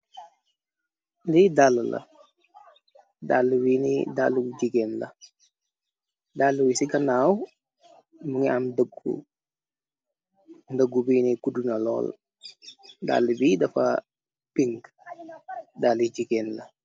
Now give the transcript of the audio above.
Li dalla la dalla wini dàlla jigeen la dàlla wi ci ganaaw mu nge am dëggu ndëggu bini kudduna lool dall bi dafa ping dalli jigeen la.